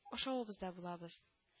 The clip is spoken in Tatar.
Ашавыбызда булабыз